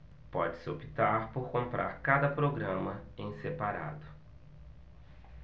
pode-se optar por comprar cada programa em separado